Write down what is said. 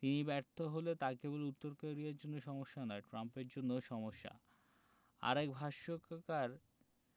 তিনি ব্যর্থ হলে তা কেবল উত্তর কোরিয়ার জন্য সমস্যা নয় ট্রাম্পের জন্যও সমস্যা আরেক ভাষ্যকার